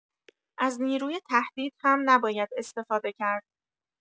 از نیروی تهدید هم نباید استفاده کرد